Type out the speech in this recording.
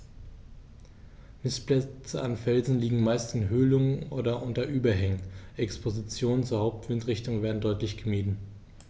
Nistplätze an Felsen liegen meist in Höhlungen oder unter Überhängen, Expositionen zur Hauptwindrichtung werden deutlich gemieden.